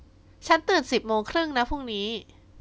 ฉันตื่นสิบโมงครึ่งนะพรุ่งนี้